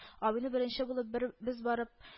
Абыйны беренче булып бер без барып